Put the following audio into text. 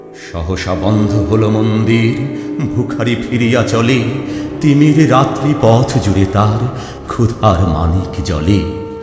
সহসা বন্ধ হল মন্দির ভুখারী ফিরিয়া চলে তিমির রাত্রি পথ জুড়ে তার ক্ষুধার মানিক জ্বলে